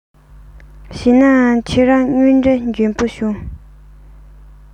བྱས ན ཁྱེད རང དངོས འབྲེལ འཇོན པོ བྱུང